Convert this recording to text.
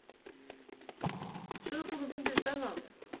trøllkonufingur er spennandi